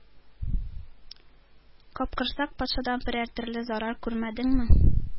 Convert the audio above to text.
Капкорсак патшадан берәр төрле зарар күрмәдеңме?